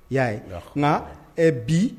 I y'a ye, nka ɛ bi